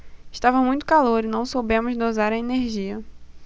estava muito calor e não soubemos dosar a energia